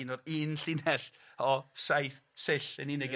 mae hyd 'n oed un linell o saith sill yn unig